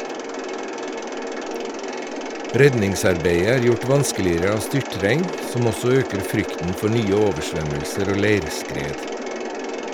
Redningsarbeidet er gjort vanskeligere av styrtregn, som også øker frykten for nye oversvømmelser og leirskred.